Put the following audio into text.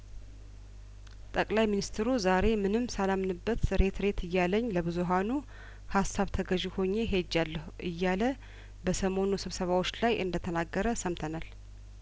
ጠቅላይ ሚኒስተሩ ዛሬ ምንም ሳላምንበት ሬት ሬት እያለኝ ለብዙሀኑ ሀሳብ ተገዥ ሆኜ ሄጃለሁ እያለ በሰሞኑ ስብሰባዎች ላይ እንደተናገረ ሰምተናል